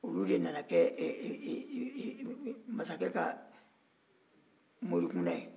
olu de nana kɛ ɛ ɛ ɛɛ e mansakɛ ka morikunda ye